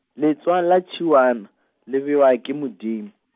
letšwa la tšhiwana, le bewa ke Modim- .